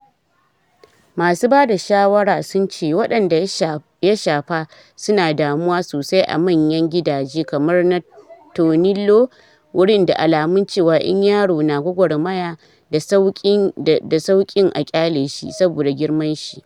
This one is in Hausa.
Masu bada shawara sun ce waɗanda ya shafa su na damuwa sosai a manya gidajen kamar na Tornillo, wurin da alamun cewa in yaro na gwagwarmaya da sauƙin a kyale shi, saboda girman shi.